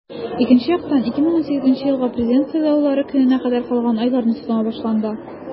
Икенче яктан - 2018 елгы Президент сайлаулары көненә кадәр калган айларны санау башланды.